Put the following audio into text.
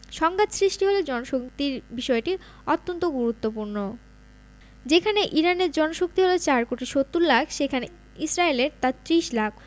সংঘাত সৃষ্টি হলে জনশক্তির বিষয়টি অন্তত গুরুত্বপূর্ণ যেখানে ইরানের জনশক্তি হলো ৪ কোটি ৭০ লাখ সেখানে ইসরায়েলের তা ৩০ লাখ